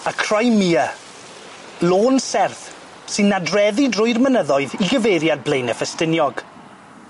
Y Crimea, lôn serth sy'n nadreddu drwy'r mynyddoedd i gyfeiriad Blaene Ffestiniog,